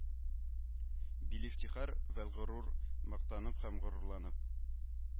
Билифтихар вәлгорур мактанып һәм горурланып